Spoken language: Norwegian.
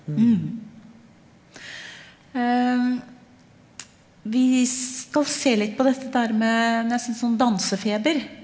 vi skal se litt på dette der med nesten sånn dansefeber.